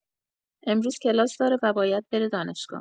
امروز کلاس داره و باید بره دانشگاه.